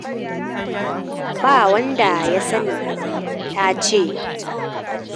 “Ba wanda ya sani,”ta ce.